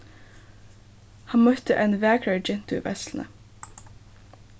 hann møtti eini vakrari gentu í veitsluni